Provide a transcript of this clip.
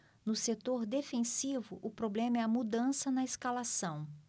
no setor defensivo o problema é a mudança na escalação